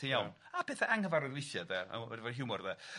Ti'n iawn a pethe anghyfarwydd weithia' de a hiwmor de .